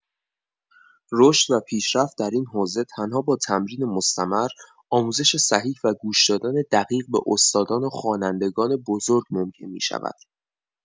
رشد و پیشرفت در این حوزه تنها با تمرین مستمر، آموزش صحیح و گوش‌دادن دقیق به استادان و خوانندگان بزرگ ممکن می‌شود.